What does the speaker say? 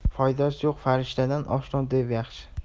foydasi yo'q farishtadan oshno dev yaxshi